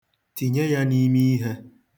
Tinye ya n'ime ihe.